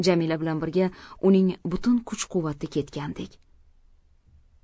jamila bilan birga uning butun kuch quvvati ketgandek